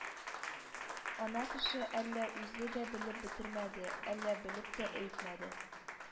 Ана кеше әллә үзе дә белеп бетермәде, әллә белеп тә әйтмәде,